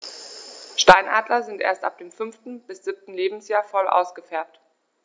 Steinadler sind erst ab dem 5. bis 7. Lebensjahr voll ausgefärbt.